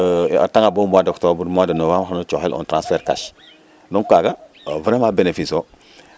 a retanga bo mois d' octobre Novembre xan o cooxel un transfert cash donc kaaga vraiment bénéfice so 'a